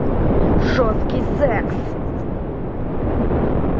жесткий секс